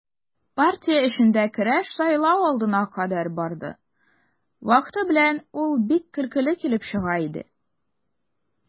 Партия эчендә көрәш сайлау алдына кадәр барды, вакыты белән ул бик көлкеле килеп чыга иде.